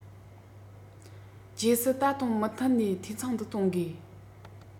རྗེས སུ ད དུང མུ མཐུད ནས འཐུས ཚང དུ གཏོང དགོས